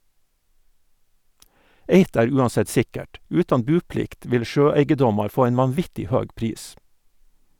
Eitt er uansett sikkert, utan buplikt vil sjøeigedomar få ein vanvittig høg pris.